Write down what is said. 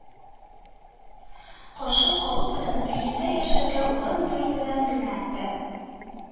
Каршы алу белән, өендә яшәргә урын бирү белән генә дә